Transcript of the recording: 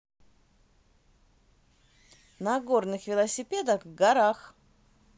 на горных велосипедах в горах